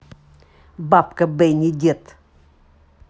бабка бенни дед